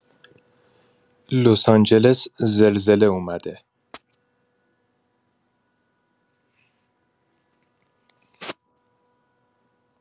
لس‌آنجلس زلزله اومده